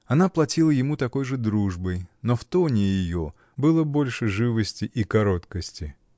Она платила ему такой же дружбой, но в тоне ее было больше живости и короткости.